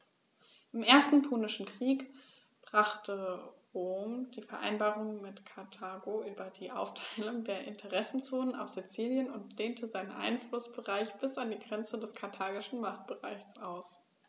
Im Ersten Punischen Krieg brach Rom die Vereinbarung mit Karthago über die Aufteilung der Interessenzonen auf Sizilien und dehnte seinen Einflussbereich bis an die Grenze des karthagischen Machtbereichs aus.